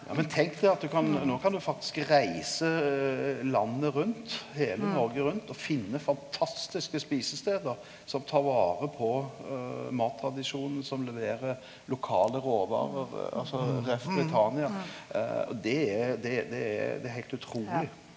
jammen tenk det at du kan nå kan du faktisk reise landet rundt, heile Noreg rundt, og finne fantastiske spisestader som tar vare på mattradisjonen som leverer lokale råvarer altså Britannia og det er det det er det er heilt utruleg.